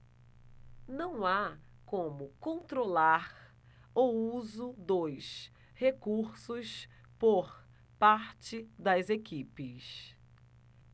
não há como controlar o uso dos recursos por parte das equipes